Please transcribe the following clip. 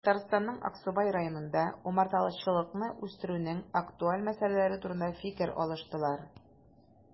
Татарстанның Аксубай районында умартачылыкны үстерүнең актуаль мәсьәләләре турында фикер алыштылар